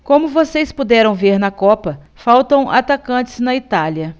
como vocês puderam ver na copa faltam atacantes na itália